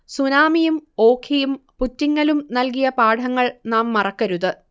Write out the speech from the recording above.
സുനാമിയും, ഓഖിയും, പുറ്റിങ്ങലും നൽകിയ പാഠങ്ങൾ നാം മറക്കരുത്